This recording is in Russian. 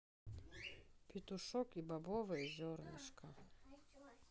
петушок и бобовое зернышко